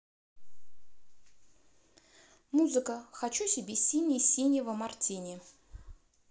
музыка хочу себе синий синего мартини